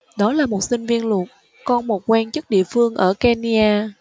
đó là một sinh viên luật con một quan chức địa phương ở kenya